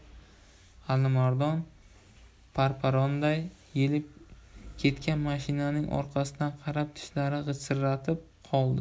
alimardon parparonday yelib ketgan mashinaning orqasidan qarab tishlarini g'ijiriatib qoldi